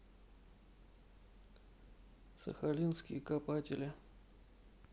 сахалинские копатели